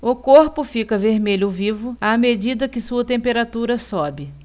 o corpo fica vermelho vivo à medida que sua temperatura sobe